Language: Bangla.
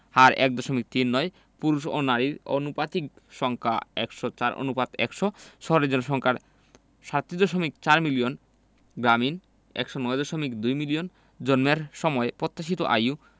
হার ১দশমিক তিন নয় পুরুষ ও নারীর আনুপাতিক সংখ্যা ১০৪ অনুপাত ১০০ শহুরে জনসংখ্যা ৩৭দশমিক ৪ মিলিয়ন গ্রামীণ ১০৯দশমিক ২ মিলিয়ন জন্মের সময় প্রত্যাশিত আয়ু